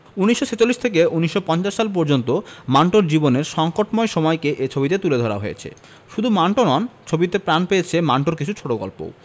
১৯৪৬ থেকে ১৯৫০ সাল পর্যন্ত মান্টোর জীবনের সংকটময় সময়কে এ ছবিতে তুলে ধরা হয়েছে শুধু মান্টো নন ছবিতে প্রাণ পেয়েছে মান্টোর কিছু ছোটগল্পও